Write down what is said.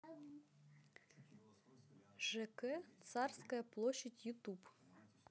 жк царская площадь ютуб